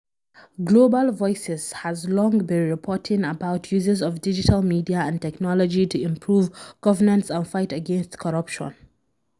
Global Voices has long been reporting about uses of digital media and technology to improve governance and fight against corruption.